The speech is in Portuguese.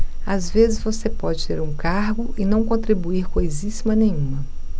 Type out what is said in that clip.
às vezes você pode ter um cargo e não contribuir coisíssima nenhuma